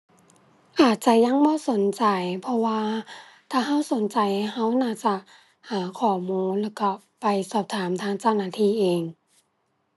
อาจจะยังบ่สนใจเพราะว่า ถ้าเราสนใจ เราน่าจะหาข้อมูล แล้วเราไปสอบถามทางเจ้าหน้าที่เอง